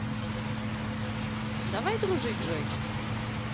давай дружить джой